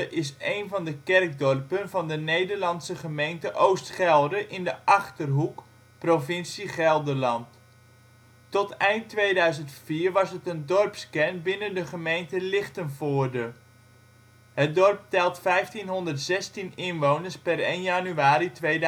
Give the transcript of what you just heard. is een van de kerkdorpen van de Nederlandse gemeente Oost Gelre in de Achterhoek, provincie Gelderland. Tot eind 2004 was het een dorpskern binnen de gemeente Lichtenvoorde. Het dorp telt 1516 inwoners (1 januari 2007